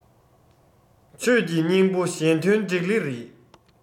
ཆོས ཀྱི སྙིང པོ གཞན དོན འགྲིག ལེ རེད